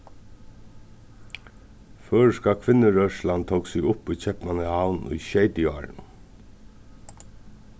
føroyska kvinnurørslan tók seg upp í keypmannahavn í sjeytiárunum